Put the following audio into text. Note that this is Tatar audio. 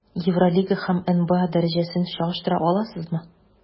Евролига һәм НБА дәрәҗәсен чагыштыра аласызмы?